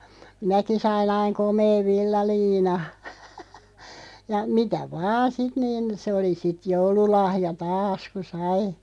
minäkin sain aina komean villaliinan ja mitä vain sitten niin se oli sitten joululahja taas kun sai